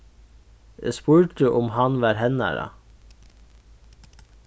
eg spurdi um hann var hennara